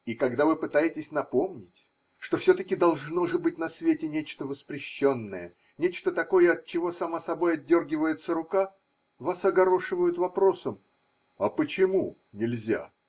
И когда вы пытаетесь напомнить, что все таки должно же быть на свете нечто воспрещенное, нечто такое, от чего сама собой отдергивается рука, вас огорошивают вопросом: А почему нельзя?